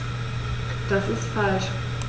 Das ist falsch.